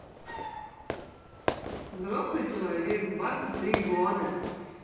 взрослый человек двадцать три года